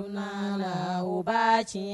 Ba tiɲɛ